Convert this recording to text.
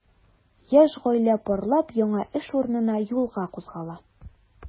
Яшь гаилә парлап яңа эш урынына юлга кузгала.